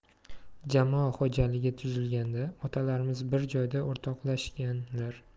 jamoa xo'jaligi tuzilganda otalarimiz bir joyda o'troqlashganlar